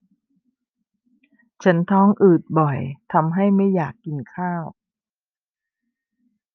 ฉันท้องอืดบ่อยทำให้ไม่อยากกินข้าว